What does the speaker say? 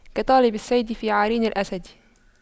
كطالب الصيد في عرين الأسد